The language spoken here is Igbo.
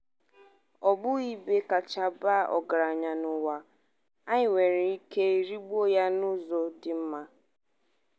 Ọ bụ ebe kacha baa ọgaranya n'ụwa. I nwere ike irigbu ya n'ụzọ dị mma.